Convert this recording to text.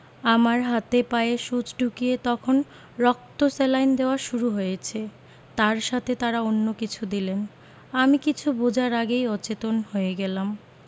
আমার হাতে পায়ে সুচ ঢুকিয়ে তখন রক্ত স্যালাইন দেওয়া শুরু হয়েছে তার সাথে তারা অন্য কিছু দিলেন আমি কিছু বোঝার আগেই অচেতন হয়ে গেলাম